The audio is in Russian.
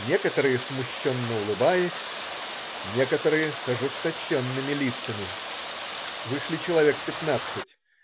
Некоторые смущенно улыбаясь, некоторые с ожесточенными лицами. Вышли человек пятнадцать.